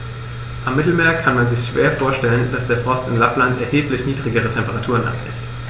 Am Mittelmeer kann man sich schwer vorstellen, dass der Frost in Lappland erheblich niedrigere Temperaturen erreicht.